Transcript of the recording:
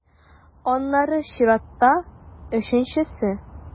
Аннары чиратта - өченчесе.